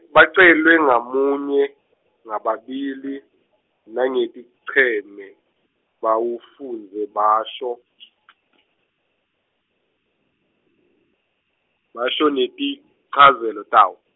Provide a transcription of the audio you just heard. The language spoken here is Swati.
Bacelwe ngamunye, ngababili, nangeticheme, bafundze basho , basho netinchazelo tawo.